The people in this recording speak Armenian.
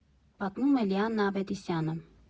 Պատմում է Լիաննա Ավետիսյանը։